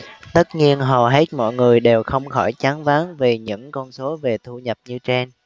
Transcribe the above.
tất nhiên hầu hết mọi người đều không khỏi choáng váng vì những con số về thu nhập như trên